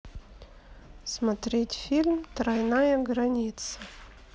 смотреть фильм тройная граница